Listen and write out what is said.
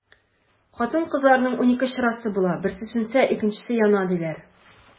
Хатын-кызларның унике чырасы була, берсе сүнсә, икенчесе яна, диләр.